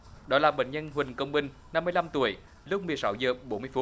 đó là bệnh nhân huỳnh công binh năm mươi lăm tuổi lúc mười sáu giờ bốn mươi phút